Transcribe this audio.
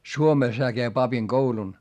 Suomessa hän kävi papinkoulun